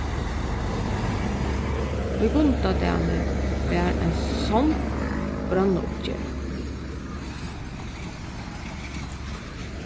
í gundadali var ein sonn grannauppgerð